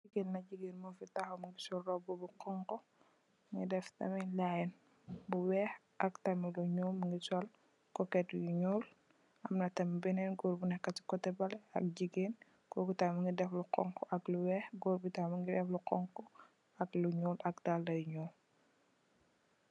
Gigain la, gigain mofi takhaw, mungy sol rohbu bu khonku, mungy deff tamit line bu wekh ak tamit lu njull, mungy sol cocket yu njull, amna tamit benen gorre bu neka chi coteh baleh ak gigain, koku tamit mungy deff lu khonku ak lu wekh, gorre bii tamit mungy deff lu khonku ak lu njull ak daalah yu njull.